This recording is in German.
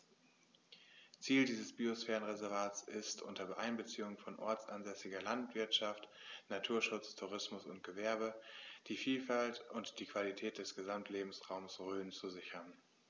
Ziel dieses Biosphärenreservates ist, unter Einbeziehung von ortsansässiger Landwirtschaft, Naturschutz, Tourismus und Gewerbe die Vielfalt und die Qualität des Gesamtlebensraumes Rhön zu sichern.